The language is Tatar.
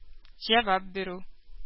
Җавап бирү